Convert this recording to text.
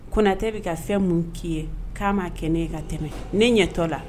Konate bɛ ka fɛn mun k'i ye k'a ma kɛ ne ye ka tɛmɛ ne ɲɛ t'ɔ la